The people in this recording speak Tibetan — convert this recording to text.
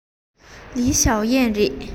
ལིའི ཞའོ ཡན རེད